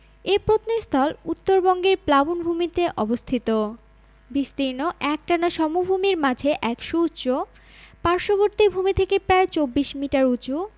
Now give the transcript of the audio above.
এ প্রত্নস্থল উত্তরবঙ্গের প্লাবনভূমিতে অবস্থিত বিস্তীর্ণ একটানা সমভূমির মাঝে এক সুউচ্চ পার্শ্ববর্তী ভূমি থেকে প্রায় ২৪ মিটার উঁচু